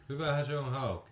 hyvähän se on hauki